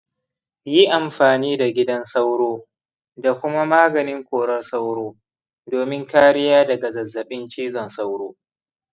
yi amfani da gidan sauro da kuma maganin korar sauro domin kariya daga zazzabin cizon sauro.